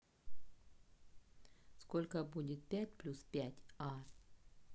сколько будет пять плюс пять а